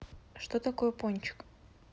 что такое пончик